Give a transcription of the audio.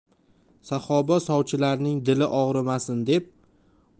saxoba sovchilarning dili og'rimasin